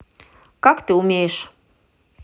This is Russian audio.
как ты умеешь